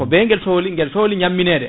ko be guel sohli guel sohli ñaminede